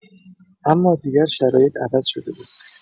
اما دیگر شرایط عوض شده بود.